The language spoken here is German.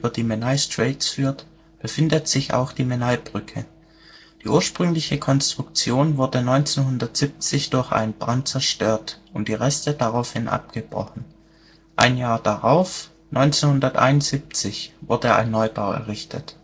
die Menai Strait führt, befindet sich auch die Menai-Brücke. Die ursprüngliche Konstruktion wurde 1970 durch einen Brand zerstört und die Reste daraufhin abgebrochen. Ein Jahr darauf, 1971, wurde ein Neubau errichtet